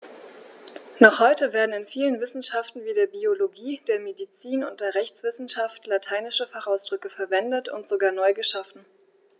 Noch heute werden in vielen Wissenschaften wie der Biologie, der Medizin und der Rechtswissenschaft lateinische Fachausdrücke verwendet und sogar neu geschaffen.